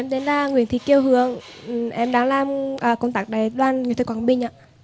em tên là nguyễn thị kiều hương em đang làm à công tác tại đoàn nghệ thuật quảng bình ạ